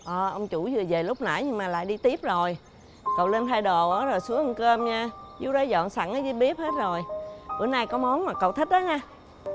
ở ông chủ vừa về lúc nãy nhưng mà lại đi tiếp rồi cậu lên thay đồ á rồi xuống ăn cơm nha dú đã dọn sẵn ở dưới bếp hết rồi bữa nay có món mà cậu thích đó nha